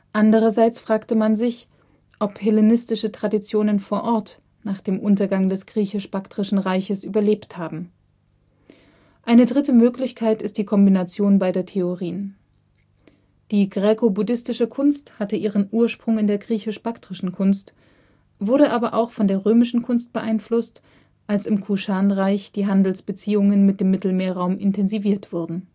Andererseits fragte man sich, ob hellenistische Traditionen vor Ort nach dem Untergang des griechisch-baktrische Reiches überlebt haben. Eine dritte Möglichkeit ist die Kombination beider Theorien. Die graeco-buddhistische Kunst hatte ihren Ursprung in der griechisch-baktrischen Kunst, wurde aber auch von der römischen Kunst beeinflusst als im Kuschanreich die Handelsbeziehungen mit dem Mittelmeerraum intensiviert wurden